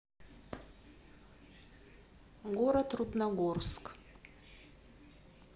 город рудногорск